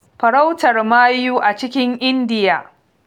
Farautar mayu a cikin Indiya